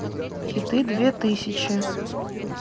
хиты две тысячи